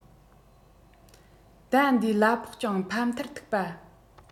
ཟླ འདིའི གླ ཕོགས ཀྱང ཕམ མཐར ཐུག པ